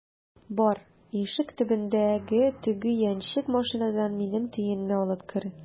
Бар, ишек төбендәге теге яньчек машинадан минем төенне алып кер!